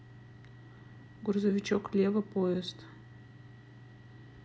грузовичок лева поезд